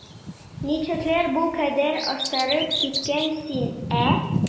Ничекләр бу кадәр остарып киттең син, ә?